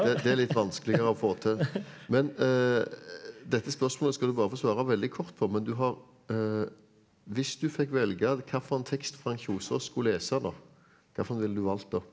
det det er litt vanskeligere å få til men dette spørsmålet skal du bare få svare veldig kort på men du har hvis du fikk velge hva for en tekst Frank Kjosås skulle lese nå hva for en ville du valgt da?